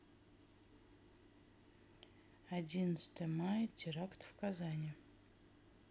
одиннадцатое мая теракт в казани